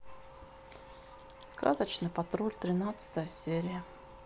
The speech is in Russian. сказочный патруль тринадцатая серия